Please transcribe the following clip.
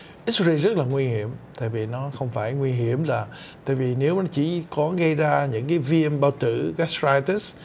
ích bai ô ry rất nguy hiểm tại vì nó không phải nguy hiểm là tại vì nếu chỉ có gây ra những viêm bao tử gát roai ân tít